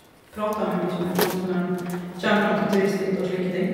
Prater med mye mer folk når en kjem fram til turisthytter og slike ting.